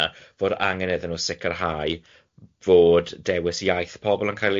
fod angen iddyn nhw sicrhau fod dewis iaith pobl yn cael